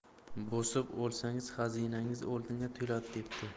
bosib olsangiz xazinangiz oltinga to'ladi debdi